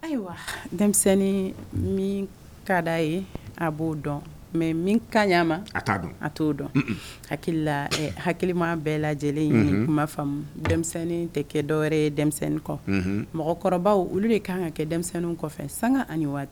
Ayiwa denmisɛnnin min ka da ye a b'o dɔn mɛ min ka ɲɛ ma a t'o dɔn hakili hakililima bɛɛ lajɛ lajɛlen in kuma b' faamu denmisɛnnin tɛ kɛ dɔwɛrɛ ye denmisɛnnin kɔ mɔgɔkɔrɔbaw olu de kan ka kɛ denmisɛnnin san ani waati